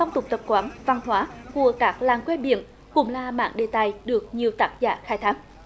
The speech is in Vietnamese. phong tục tập quán văn hóa của các làng quê biển cũng là mảng đề tài được nhiều tác giả khai thác